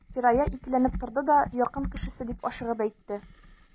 Фирая икеләнеп торды да: — Якын кешесе,— дип ашыгып әйтте.